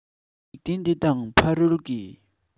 འཇིག རྟེན འདི དང ཕ རོལ གྱི